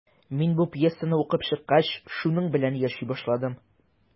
Мин бу пьесаны укып чыккач, шуның белән яши башладым.